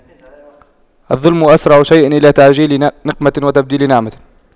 الظلم أسرع شيء إلى تعجيل نقمة وتبديل نعمة